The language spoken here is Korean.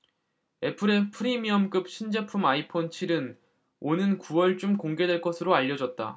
애플의 프리미엄급 신제품 아이폰 칠 은 오는 구 월쯤 공개될 것으로 알려졌다